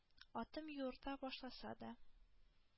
Атым юырта башласа да